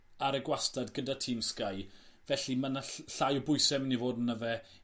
ar y gwastad gyda tîm Sky felly ma' 'na ll- llai o bwyse myn' i fod ano fe